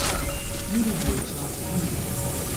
Mmiri dị ọcha dị ụkọ.